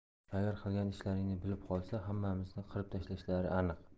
agar qilgan ishlaringni bilib qolsa hammamizni qirib tashlashlari aniq